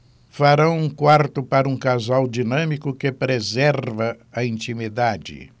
farão um quarto para um casal dinâmico que preserva a intimidade